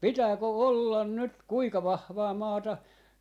pitääkö olla nyt kuinka vahvaa maata